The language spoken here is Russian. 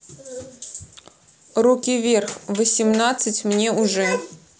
руки вверх восемнадцать мне уже